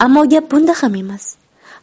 ammo gap bunda ham emas